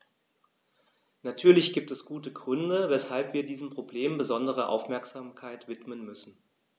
Natürlich gibt es gute Gründe, weshalb wir diesem Problem besondere Aufmerksamkeit widmen müssen.